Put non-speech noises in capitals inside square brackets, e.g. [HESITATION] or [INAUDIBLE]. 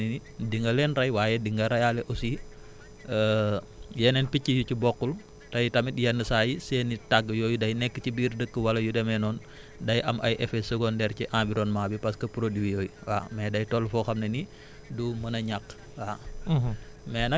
bu ko defante ne ni di nga leen rey waaye di nga reyaale aussi [HESITATION] yeneen picc yu ci bokkul ay tamit yenn saa yi seen i tagg yooyu day nekk ci biir dëkk wala yu demee noonu [BREATH] day am ay effets secondaires ci environnement bi parce que produits yooyu baax mais day tollu foo xam ne ni du mun a ñàkk waaw